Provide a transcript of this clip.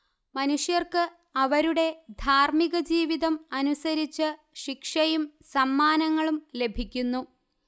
മനുഷ്യർക്ക് അവരുടെ ധാർമികജീവിതം അനുസരിച്ച് ശിക്ഷയും സമ്മാനങ്ങളും ലഭിക്കുന്നു